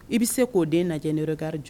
I bi se k'o den lajɛ ni regard jumɛn